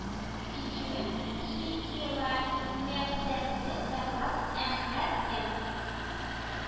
Тинчурин Хи километрәтле доклад , Әхмәт эМ